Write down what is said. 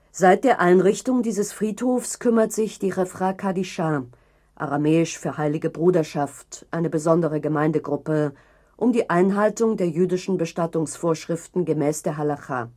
Seit der Einrichtung dieses Friedhofs, kümmerte sich die Chewra Kadischa (aramäisch für „ Heilige Bruderschaft “), ein besondere Gemeindegruppe, um die Einhaltung der jüdischen Bestattungsvorschriften gemäß der „ Halacha